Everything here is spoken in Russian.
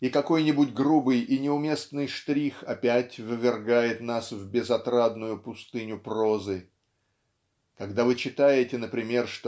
и какой-нибудь грубый и неуместный штрих опять ввергает нас в безотрадную пустыню прозы. Когда вы читаете например